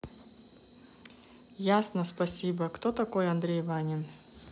ясно спасибо кто такой андрей ванин